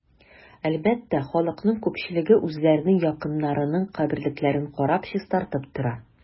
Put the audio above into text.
Әлбәттә, халыкның күпчелеге үзләренең якыннарының каберлекләрен карап, чистартып тора.